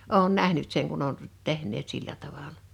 olen nähnyt sen kun on tehneet sillä tavalla